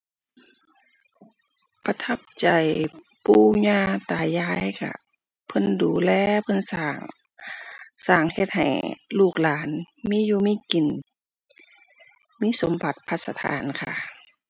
ประทับใจปู่ย่าตายายค่ะ เพิ่นดูแล เพิ่นสร้าง สร้างเฮ็ดให้ลูกหลานมีอยู่มีกิน มีสมบัติพัสถานค่ะ